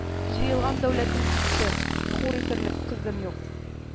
Җыелган дәүләтем китте- Хур ителерлек кызым юк